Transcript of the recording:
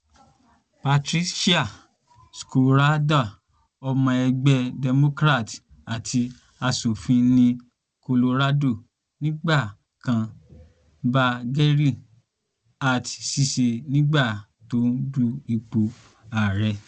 Patricia Schroeder, ọmọ ẹgbẹ́ Democrat àti aṣòfin ní Colorado nígbà kan, bá Gary Hart ṣiṣẹ́ nígbà tó n du ipò ààrẹ.